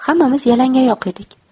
hammamiz yalangoyoq edik